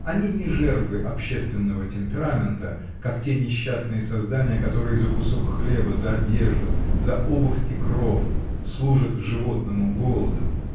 Они — не жертвы общественного темперамента, как те несчастные создания, которые за кусок хлеба, за одежду, за обувь и кров, служат животному голоду.